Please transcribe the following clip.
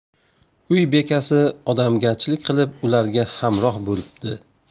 uy bekasi odamgarchilik qilib ularga hamroh bo'libdi